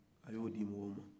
a y'o di mɔgɔw ma